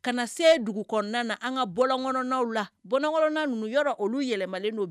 Ka na se dugu kɔnɔna na an ka bɔw la bɔ ninnu yɔrɔ olu yɛlɛlen don